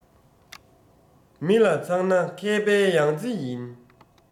མི ལ ཚང ན མཁས པའི ཡང རྩེ ཡིན